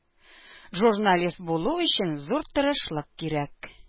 Журналист булу өчен зур тырышлык кирәк.